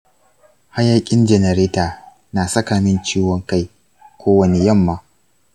hayaƙin janareta na saka min ciwon kai kowane yamma.